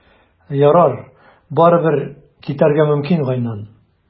Ярар, барыбер, китәргә мөмкин, Гайнан.